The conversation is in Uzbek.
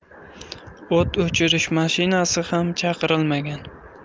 o't o'chirish mashinasi ham chaqirilmagan